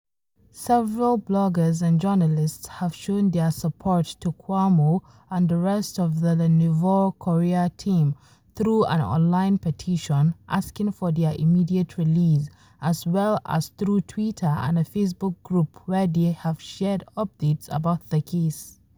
Several bloggers and journalists have shown their support to Kouamouo and the rest of the Le Nouveau Courrier team through an online petition asking for their immediate release, as well as through Twitter and a Facebook group where they have shared updates about the case.